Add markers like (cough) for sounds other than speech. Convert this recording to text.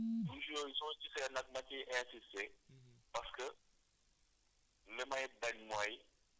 ut saako ciment rek mun nga ci defar douche (noise) douche yooyu soo gisee nag ma ciy insisté